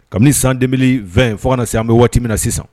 Kabini san 2020 fo ka na se an bɛ waati min na sisan.